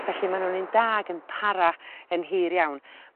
felly ma' nw'n un da ag yn para yn hir iawn.